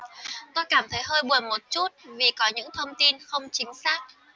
tôi cảm thấy hơi buồn một chút vì có những thông tin không chính xác